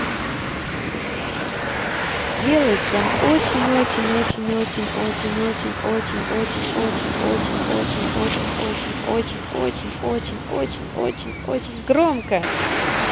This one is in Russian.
сделай прям очень очень очень очень очень очень очень очень очень очень очень очень очень очень очень очень очень очень очень очень громко